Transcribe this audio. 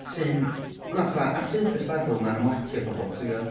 sy'n, fatha Ar surface level mae'n ymlacio pobl timod?